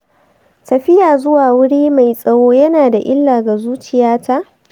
tafiya zuwa wuri mai tsawo yana da illa ga zuciyata?